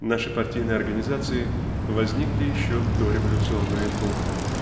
Наши партийные организации возникли еще в дореволюционную эпоху.